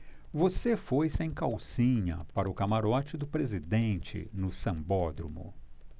você foi sem calcinha para o camarote do presidente no sambódromo